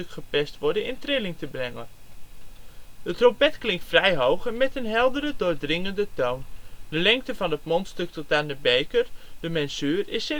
geperst worden, in trilling te brengen. De trompet klinkt vrij hoog met een heldere doordringende toon. De lengte van het mondstuk tot aan de beker (de mensuur) is